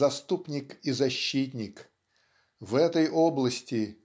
заступник и защитник в этой области